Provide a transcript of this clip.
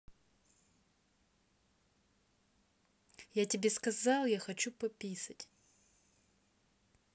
я тебе сказал я хочу пописать